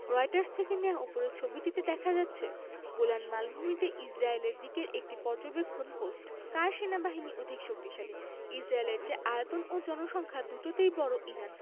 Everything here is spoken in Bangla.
রয়টার্স থেকে নেয়া উপরের ছবিটিতে দেখা যাচ্ছে গোলান মালভূমিতে ইসরায়েলের দিকের একটি পর্যবেক্ষণ পোস্ট কার সেনাবাহিনী অধিক শক্তিশালী ইসরায়েলের চেয়ে আয়তন ও জনসংখ্যা দুটোতেই বড় ইরান